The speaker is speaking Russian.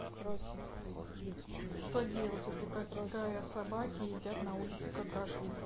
что делать если какая собаки едят на улице какашки